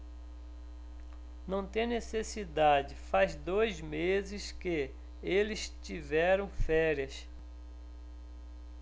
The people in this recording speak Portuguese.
não tem necessidade faz dois meses que eles tiveram férias